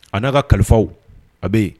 A n'a ka kalifaw a bɛ yen